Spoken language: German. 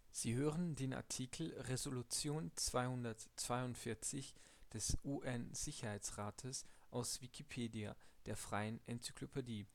Sie hören den Artikel Resolution 242 des UN-Sicherheitsrates, aus Wikipedia, der freien Enzyklopädie